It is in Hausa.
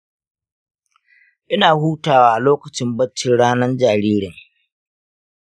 ina hutawa lokacin baccin ranan jaririn.